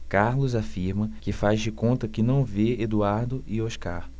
carlos afirma que faz de conta que não vê eduardo e oscar